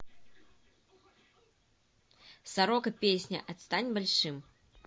сорока песня отстань большим